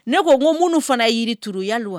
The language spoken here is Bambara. Ne ko ko mun fana yiri turu yali wa